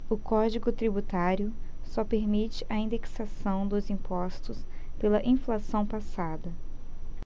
o código tributário só permite a indexação dos impostos pela inflação passada